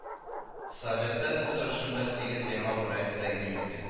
Советы утырышында сигез яңа проект тәкъдим иткән